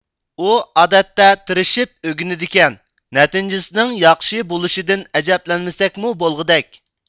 ئۇ ئادەتتە تىرىشىپ ئۆگىنىدىكەن نەتىجىسىنىڭ ياخشى بولۇشىدىن ئەجەبلەنمىسەكمۇ بولغۇدەك